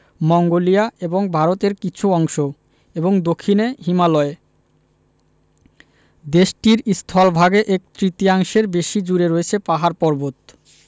Mongolia এবং ভারতের কিছু অংশ এবং দক্ষিনে হিমালয় দেশটির স্থলভাগে এক তৃতীয়াংশের বেশি জুড়ে রয়ছে পাহাড় পর্বত